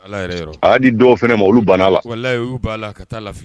Ala yɛrɛ yɔrɔ a y'a di dɔw fɛnɛ ma olu ban'a la walahi u yu ban ala ka taa la lafi